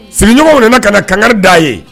Sigiɲɔgɔnw nana ka na kanga da ye